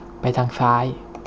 ไปทางซ้าย